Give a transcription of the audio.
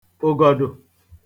ụ̀gọ̀dù